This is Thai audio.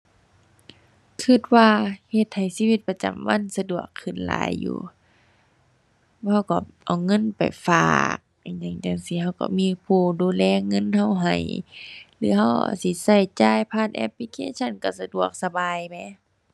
คิดว่าเฮ็ดให้ชีวิตประจำวันสะดวกขึ้นหลายอยู่ คิดก็เอาเงินไปฝากอิหยังจั่งซี้ คิดก็มีผู้ดูแลเงินคิดให้ หรือคิดอาจสิคิดจ่ายผ่านแอปพลิเคชันคิดสะดวกสบายแหม